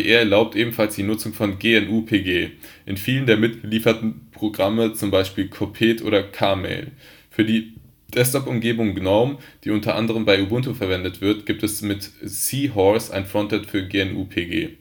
erlaubt ebenfalls die Nutzung von GnuPG in vielen der mitgelieferten Programme (z. B. Kopete und KMail). Für die Desktopumgebung Gnome, die unter anderem bei Ubuntu verwendet wird, gibt es mit Seahorse ein Frontend für GnuPG